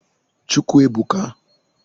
Chukwuèbùka